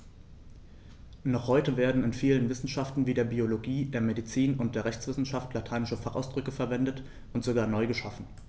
Noch heute werden in vielen Wissenschaften wie der Biologie, der Medizin und der Rechtswissenschaft lateinische Fachausdrücke verwendet und sogar neu geschaffen.